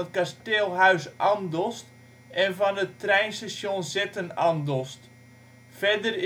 kasteel/huis Andelst en van het treinstation Zetten-Andelst. Verder